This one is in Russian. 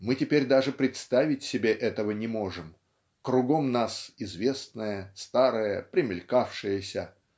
Мы теперь даже представить себе этого не можем кругом нас известное старое примелькавшееся